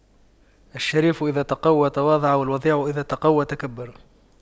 الشريف إذا تَقَوَّى تواضع والوضيع إذا تَقَوَّى تكبر